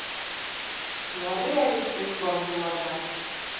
Ярый әле сез бар юлларда!